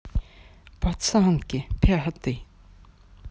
пацанки пятый